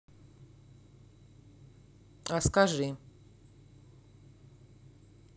а скажи